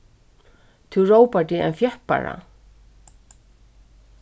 tú rópar teg ein fjeppara